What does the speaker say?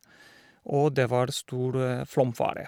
Og det var stor flomfare.